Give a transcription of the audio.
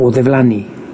o ddiflannu